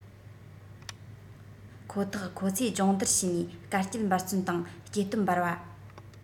ཁོ ཐག ཁོ ཚོས སྦྱོང བརྡར བྱས ནས དཀའ སྤྱད འབད བརྩོན དང སྐྱེ སྟོབས འབར བ